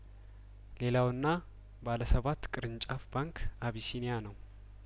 ሌላውና ባለሰባት ቅርንጫፉ ባንክ አቢሲኒያነው